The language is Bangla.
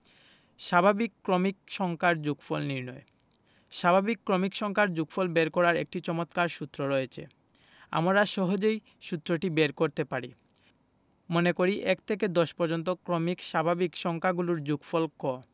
স্বাভাবিক ক্রমিক সংখ্যার যোগফল নির্ণয় স্বাভাবিক ক্রমিক সংখ্যার যোগফল বের করার একটি চমৎকার সূত্র রয়েছে আমরা সহজেই সুত্রটি বের করতে পারি মনে করি ১ থেকে ১০ পর্যন্ত ক্রমিক স্বাভাবিক সংখ্যাগুলোর যোগফল ক